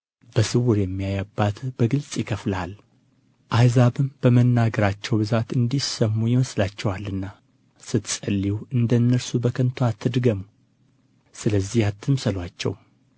በስውር የሚያይ አባትህም በግልጥ ይከፍልሃል አሕዛብም በመናገራቸው ብዛት እንዲሰሙ ይመስላቸዋልና ስትጸልዩ እንደ እነርሱ በከንቱ አትድገሙ ስለዚህ አትምሰሉአቸው